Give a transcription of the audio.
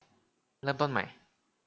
เริ่มต้นใหม่